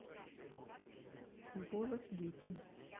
голос дети